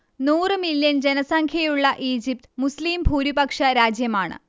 നൂറ് മില്യൺ ജനസംഖ്യയുള്ള ഈജിപ്ത് മുസ്ലിം ഭൂരിപക്ഷ രാജ്യമാണ്